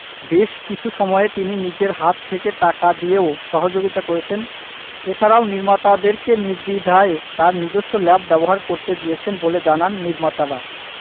বেশ কিছু সময়ে তিনি নিজের হাত থেকে টাকা দিয়েও সহযোগিতা করেছেন এছাড়াও নির্মাতাদেরকে নির্দ্বিধায় তার নিজস্ব ল্যাব ব্যবহার করতে দিয়েছেন বলে জানান নির্মাতারা